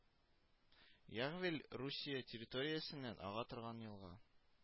Ягвель Русия территориясеннән ага торган елга